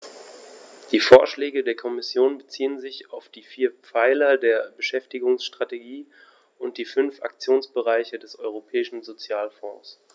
Die Vorschläge der Kommission beziehen sich auf die vier Pfeiler der Beschäftigungsstrategie und die fünf Aktionsbereiche des Europäischen Sozialfonds.